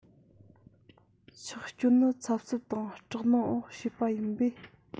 ཆགས སྤྱོད ནི འཚབ འཚུབ དང སྐྲག སྣང འོག བྱེད པ ཡིན པས